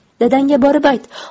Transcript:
dadangga borib ayt